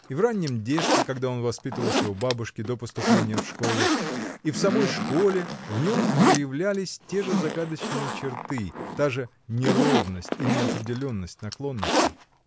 И в раннем детстве, когда он воспитывался у бабушки, до поступления в школу, и в самой школе, в нем проявлялись те же загадочные черты, та же неровность и неопределенность наклонностей.